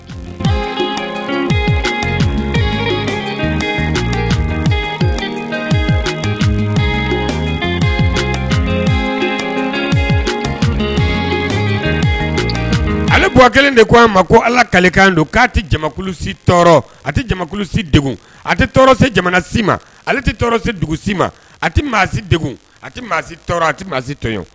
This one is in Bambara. Ale gawa kelen de ko a ma ko ala kalekan kan don k aa tɛkulusi tɔɔrɔ a tɛ jakulusi de a tɛ tɔɔrɔ se jamana si ma ale tɛ tɔɔrɔ se dugu si ma a tɛ maasi d a tɛ maa si tɔɔrɔ a tɛ maasi tɔ